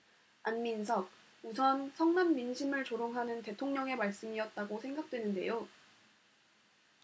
안민석 우선 성난 민심을 조롱하는 대통령의 말씀이었다고 생각 되는데요